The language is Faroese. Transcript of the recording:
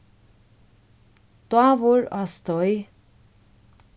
dávur á steig